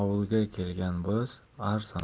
ovulga kelgan bo'z arzon